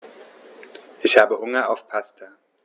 Ich habe Hunger auf Pasta.